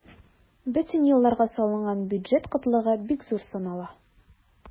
Бөтен елларга салынган бюджет кытлыгы бик зур санала.